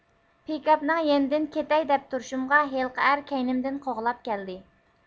پىكاپنىڭ يېنىدىن كېتەي دەپ تۇرۇشۇمغا ھېلىقى ئەر كەينىمدىن قوغلاپ كەلدى